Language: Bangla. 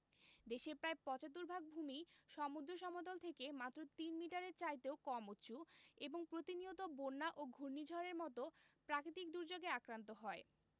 দেশের প্রায় ৭৫ শতাংশ ভূমিই সমুদ্র সমতল থেকে মাত্র তিন মিটারের চাইতেও কম উঁচু এবং প্রতিনিয়ত বন্যা ও ঘূর্ণিঝড়ের মতো প্রাকৃতিক দুর্যোগে আক্রান্ত হয়